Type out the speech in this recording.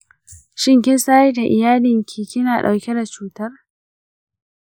shin kin sanar da iyalanki kina dauke da cutar?